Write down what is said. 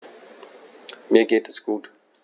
Mir geht es gut.